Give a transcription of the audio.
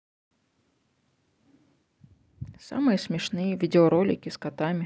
самые смешные видеоролики с котами